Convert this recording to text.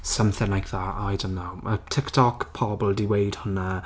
Something like that I don't know. Y TikTok pobl 'di weud hwnna....